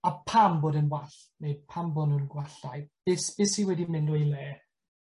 a pam bod yn wall neu pam fo' nw'n gwallau. Be' s- be' sy wedi mynd o'i le?